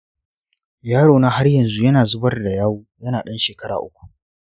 yarona har yanzu yana zubar da yawu yana ɗan shekara uku.